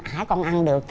ải con ăn được